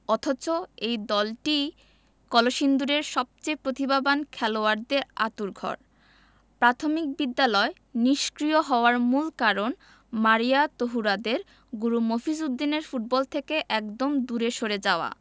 অথচ এই দলটিই কলসিন্দুরের সবচেয়ে প্রতিভাবান খেলোয়াড়দের আঁতুড়ঘর প্রাথমিক বিদ্যালয় নিষ্ক্রিয় হওয়ার মূল কারণ মারিয়াতহুরাদের গুরু মফিজ উদ্দিনের ফুটবল থেকে একদম দূরে সরে যাওয়া